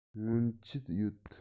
སྔོན ཆད ཡོད